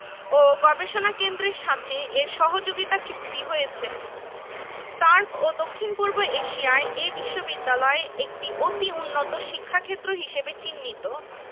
এছাড়াও এ পর্যন্ত ১৯ জন শিক্ষককে স্বাধীনতা পুরস্কার প্রদান করা হয় তাঁরা হলেন ড. মোকাররম হোসেন খন্দকার রসায়ন বিভাগ মরণোত্তর